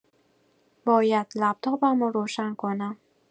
باید لپتاپمو روشن کنم.